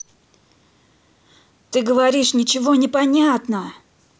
ты говоришь ничего не понятно